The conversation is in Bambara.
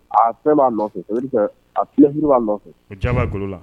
A fɛn b'a nɔfɛ ça veut dire que a b'a nɔfɛ, a diya b'a golo la.